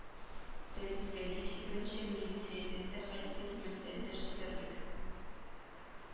Разил Вәлиев фикеренчә, милли сәясәттә хәл итәсе мәсьәләләр җитәрлек